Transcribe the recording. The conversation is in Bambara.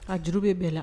A juru bɛ bɛɛ la